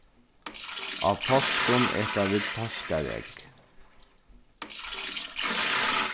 á páskum eta vit páskaregg